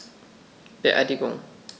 Beerdigung